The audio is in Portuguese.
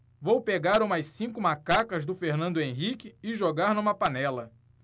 vou pegar umas cinco macacas do fernando henrique e jogar numa panela